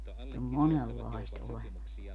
sitä on monenlaista olemassa